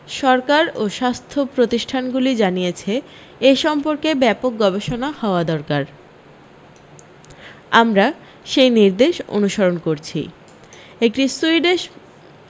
সরকার ও স্বাস্থ্য প্রতিষ্ঠানগুলি জানিয়েছে এ সম্পর্কে ব্যাপক গবেষণা হওয়া দরকার আমরা সেই নির্দেশ অনুসরণ করছি একটি সুইডিশ